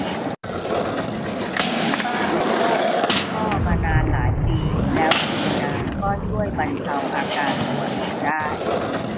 ป้าเป็นโรคปวดข้อมานานหลายปีแล้วกินยาก็ช่วยบรรเทาอาการปวดลงได้